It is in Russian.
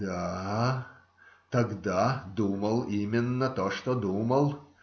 - Да, тогда думал именно то, что думал.